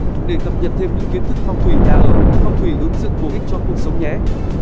để cập nhật thêm những kiến thức phong thủy nhà ở phong thủy ứng dựng bổ ích cho cuộc sống nhé